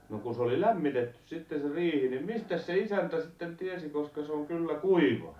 no kun se oli lämmitetty sitten se riihi niin mistäs se isäntä sitten tiesi koska se on kyllä kuivaa